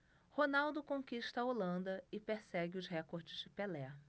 ronaldo conquista a holanda e persegue os recordes de pelé